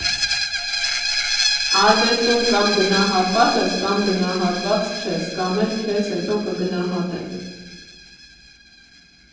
Արվեստում կամ գնահատված ես, կամ գնահատված չես, կամ էլ քեզ հետո կգնահատեն.